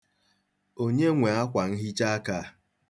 Onye nwe akwanhichaaka a?